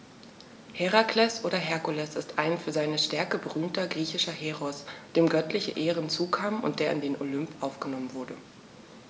Herakles oder Herkules ist ein für seine Stärke berühmter griechischer Heros, dem göttliche Ehren zukamen und der in den Olymp aufgenommen wurde.